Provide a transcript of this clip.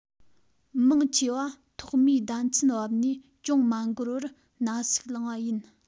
མང ཆེ བ ཐོག མའི ཟླ མཚན བབས ནས ཅུང མ འགོར བར ན ཟུག ལངས པ ཡིན